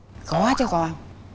có chứ con